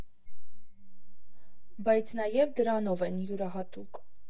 Բայց նաև դրանով են յուրահատուկ։